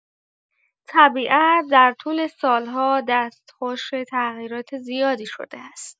طبیعت در طول سال‌ها دستخوش تغییرات زیادی شده است.